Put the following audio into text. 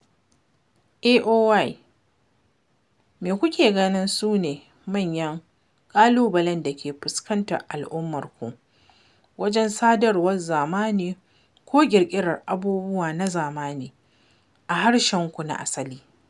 (AOY): Me kuke ganin sune manyan ƙalubalen da ke fuskantar al'ummarku wajen sadarwar zamani ko ƙirƙirar abubuwa na zamani a harshensu na asali?